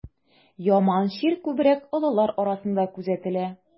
Яман чир күбрәк олылар арасында күзәтелә.